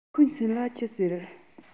ཁོའི མཚན ལ ཅི ཟེར